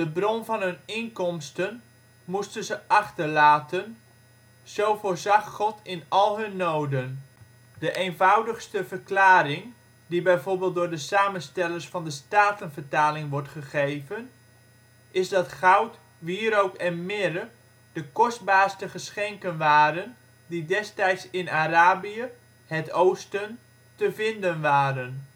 bron van hun inkomsten moesten ze achterlaten, zo voorzag God in al hun noden. De eenvoudigste verklaring, die bijvoorbeeld door de samenstellers van de Statenvertaling wordt gegeven, is dat goud, wierook en mirre de kostbaarste geschenken waren die destijds in Arabië (' het Oosten ') te vinden waren